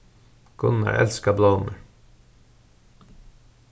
gunnar elskar blómur